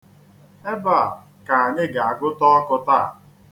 Ebe a ka anyị ga-agụta ọkụ taa.